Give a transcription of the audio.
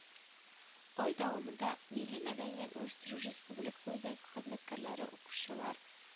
Ай дәвамында Милли мәдәниятне үстерү республика үзәге хезмәткәрләре укучылар